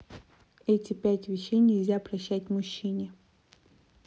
эти пять вещей нельзя прощать мужчине